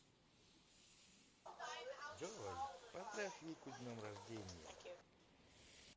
джой поздравь вику с днем рождения